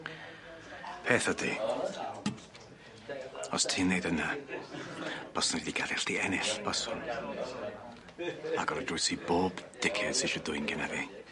Peth ydi os ti'n neud yna, byswn i 'di gadel chdi ennill byswn? Agor y drws i bob dickead sy isie dwyn gynna fi.